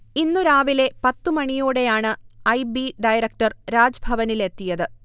ഇന്നു രാവിലെ പത്തു മണിയോടെയാണ് ഐ. B director രാജ്ഭവനിലെത്തിയത്